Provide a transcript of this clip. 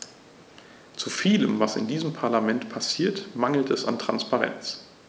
Zu vielem, was in diesem Parlament passiert, mangelt es an Transparenz.